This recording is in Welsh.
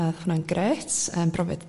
a odd hwnna'n grêt yn brofiad